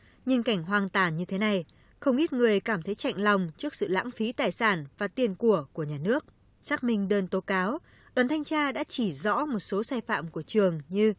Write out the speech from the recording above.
nhưng cảnh hoang tàn như thế này không ít người cảm thấy chạnh lòng trước sự lãng phí tài sản và tiền của của nhà nước xác minh đơn tố cáo đoàn thanh tra đã chỉ rõ một số sai phạm của trường như